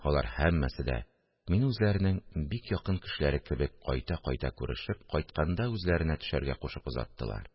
Алар һәммәсе дә, мине үзләренең бик якын кешеләре кебек кайта-кайта күрешеп, кайтканда үзләренә төшәргә кушып озаттылар